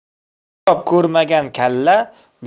kitob ko'rmagan kalla